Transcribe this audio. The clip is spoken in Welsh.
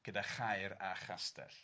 gyda chaer a chastell.'